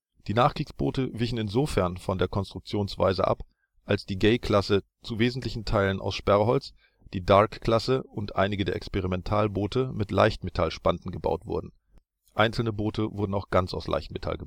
Die Nachkriegsboote wichen insofern von der Konstruktionsweise ab, als die Gay-Klasse zu wesentlichen Teilen aus Sperrholz, die Dark-Klasse und einige der Experimentalboote mit Leichtmetallspanten gebaut wurden, einzelne Boote auch ganz aus Leichtmetall